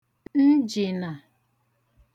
njị̀nà